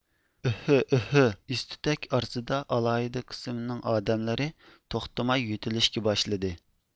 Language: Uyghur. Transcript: ئۆھھۆ ئۆھھۆ ئىس تۈتەك ئارىسىدا ئالاھىدە قىسمىنىڭ ئادەملىرى توختىماي يۆتىلىشكە باشلىدى